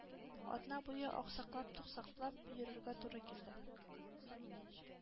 Атна буе аксаклап-туксаклап йөрергә туры килде.